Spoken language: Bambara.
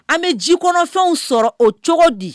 An bɛ ji kɔnɔ fɛnw sɔrɔ o cogo di ?